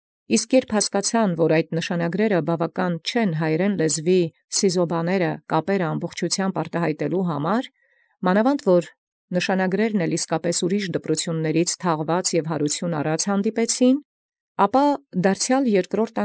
Իսկ իբրև ի վերայ հասեալ, թէ չեն բաւական նշանագիրքն՝ ողջ ածել զսիւղոբայս զկապս հայերէն լեզւոյն, մանաւանդ զի և նշանագիրքն իսկ յայլոց դպրութեանց թաղեալք և յարուցեալք դիպեցան, յետ այնորիկ դարձեալ կրկին։